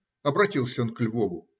- обратился он к Львову.